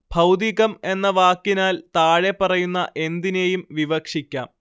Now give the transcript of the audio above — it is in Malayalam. ഭൗതികം എന്ന വാക്കിനാൽ താഴെപ്പറയുന്ന എന്തിനേയും വിവക്ഷിക്കാം